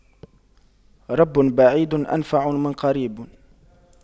رب بعيد أنفع من قريب